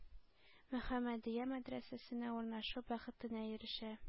-мөхәммәдия, мәдрәсәсенә урнашу бәхетенә ирешә.